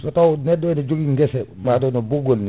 so taw neɗɗo o ne jogui guesse baɗono ɓoggol ni